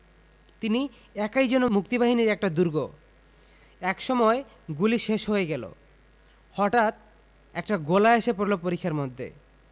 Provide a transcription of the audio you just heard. তিনি একাই যেন মুক্তিবাহিনীর একটা দুর্গ একসময় গুলি শেষ হয়ে গেল হটাঠ একটা গোলা এসে পড়ল পরিখার মধ্যে